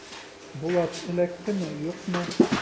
Булат эләктеме, юкмы?